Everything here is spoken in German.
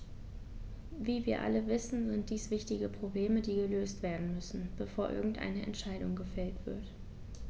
Wie wir alle wissen, sind dies wichtige Probleme, die gelöst werden müssen, bevor irgendeine Entscheidung gefällt wird.